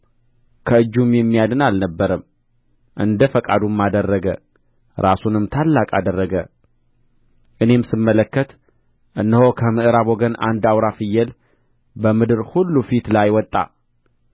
ከእጁም የሚያድን አልነበረም እንደ ፈቃዱም አደረገ ራሱንም ታላቅ አደረገ እኔም ስመለከት እነሆ ከምዕራብ ወገን አንድ አውራ ፍየል በምድር ሁሉ ፊት ላይ ወጣ